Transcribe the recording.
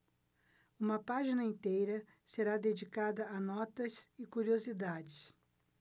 uma página inteira será dedicada a notas e curiosidades